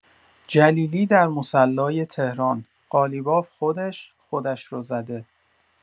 جلیلی در مصلی تهران: قالیباف خودش، خودش رو زده!